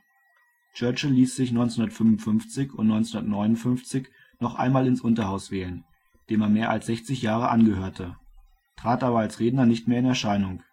Churchill ließ sich 1955 und 1959 noch einmal ins Unterhaus wählen, dem er mehr als 60 Jahre angehörte, trat aber als Redner nicht mehr in Erscheinung